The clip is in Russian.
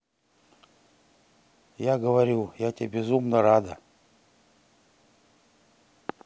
я говорю я тебе безумно рада